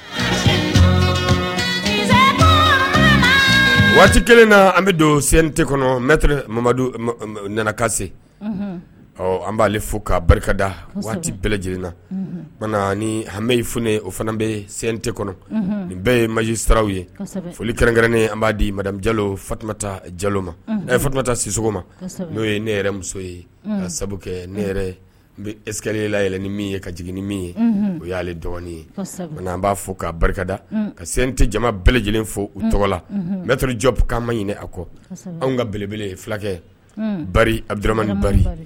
Waati kelen na an bɛ donmadu nanakase an b'ale fo ka barikada waati bɛɛ lajɛlen na ni f o fana bɛ kɔnɔ nin bɛɛ ye maji sararaw ye foli kɛrɛnkɛrɛnnen b'a di ma jalotuma jalo ma netumata siso ma n'o ye ne yɛrɛ muso ye ka sabu kɛ ne n bɛ espla yɛlɛ ni ye ka jiginig ni min ye o y'ale dɔgɔnin ye n anan b'a fɔ ka barikada ka sen tɛ jama bɛɛ lajɛlen fo u tɔgɔ la bɛto jɔ k'an ma ɲini a kɔ anw ka belebele fulakɛ abir ni